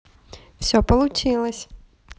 все получилось